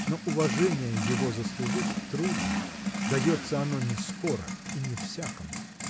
но уважение его заслужить трудно: дается оно не скоро и не всякому.